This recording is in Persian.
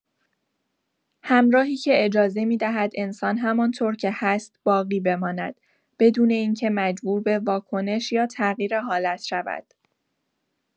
همراهی که اجازه می‌دهد انسان همان‌طور که هست باقی بماند، بدون این‌که مجبور به واکنش یا تغییر حالت شود.